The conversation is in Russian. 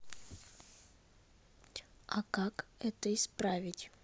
а как это исправить